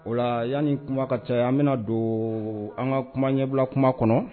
O la yan ni kuma ka caya an bɛna don an ka kuma ɲɛbila kuma kɔnɔ